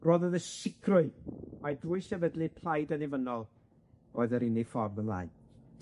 rhoddodd y sicrwydd mai drwy sefydlu plaid annibynnol oedd yr unig ffordd ymlaen.